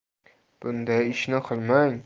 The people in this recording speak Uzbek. bunday ishni qilmang